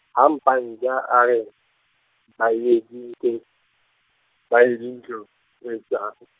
ha Mpanza a re, Bayede Nkos-, Bayede Ndlovu, o etsang.